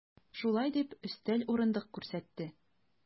Шулай дип, өстәл, урындык күрсәтте.